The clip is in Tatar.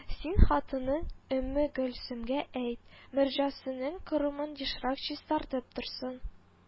Син хатының Өммегөлсемгә әйт, морҗасының корымын ешрак чистартып торсын